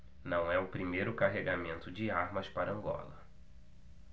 não é o primeiro carregamento de armas para angola